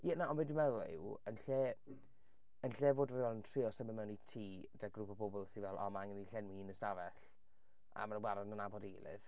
Ie, na, ond be dwi'n meddwl yw, yn lle... yn lle bod fi'n trio symud mewn i tŷ 'da grwp o bobl sy' fel "O ma' angen i ni llenwi un stafell", a maen nhw barod yn nabod ei gilydd.